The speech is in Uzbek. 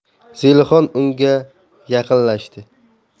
zelixon unga yaqinlashdi